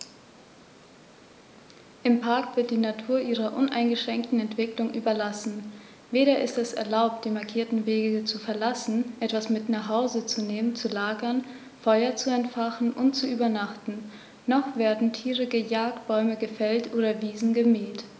Im Park wird die Natur ihrer uneingeschränkten Entwicklung überlassen; weder ist es erlaubt, die markierten Wege zu verlassen, etwas mit nach Hause zu nehmen, zu lagern, Feuer zu entfachen und zu übernachten, noch werden Tiere gejagt, Bäume gefällt oder Wiesen gemäht.